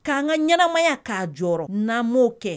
K'an ka ɲɛnamaya k'a jɔ n' m'o kɛ